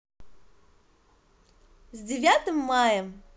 с девятым маем